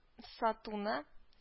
Сатуны